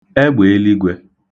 ẹgbèeligwẹ̄